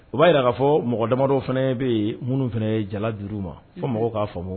U b'a jira k'a fɔ mɔgɔ damamadɔ fana bɛ yen minnu fana jala duuru ma fɔ mɔgɔw k'a fɔmu